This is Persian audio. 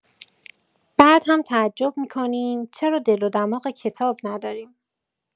بعد هم تعجب می‌کنیم چرا دل‌ودماغ کتاب نداریم.